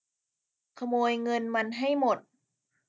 ขโมยเงินมันให้หมด